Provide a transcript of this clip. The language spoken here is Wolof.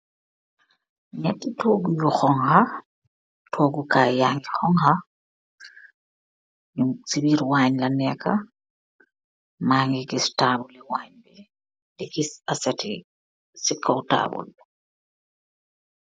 Jateex togux yu xohaah, tokuuh kayeeh yaa keex honha , si birr wajj la nekaax makeex kess tabulex wajj , di kess asettex si kaaw tabulbi .